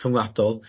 rhwngwladol